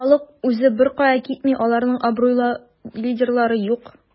Халык үзе беркая китми, аларның абруйлы лидерлары юк.